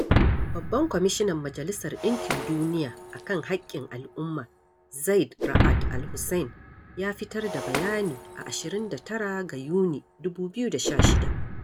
Babban kwamishinan Majalisar ɗinkin Duniya a kan haƙƙin al'umma, Zeid Ra'ad Al Hussein ya fitar da bayani a 29 ga Yuni, 2016.